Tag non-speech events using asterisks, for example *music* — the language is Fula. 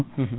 *hesitation* *hesitation*